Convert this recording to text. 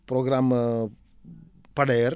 programme Pader